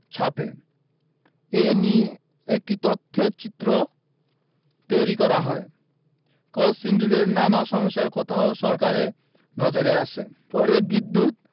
ছাপে এ নিয়ে একটি তথ্যচিত্রও তৈরি করা হয় কলসিন্দুরের নানা সমস্যার কথাও সরকারের নজরে আসে পরে বিদ্যুৎ